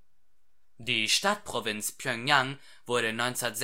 Die Stadtprovinz Pjöngjang wurde 1946